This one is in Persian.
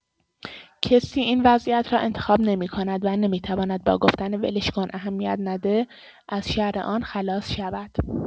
کسی این وضعیت را انتخاب نمی‌کند و نمی‌تواند با گفتن «ولش کن، اهمیت نده» از شر آن خلاص شود.